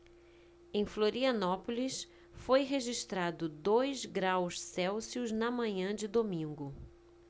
em florianópolis foi registrado dois graus celsius na manhã de domingo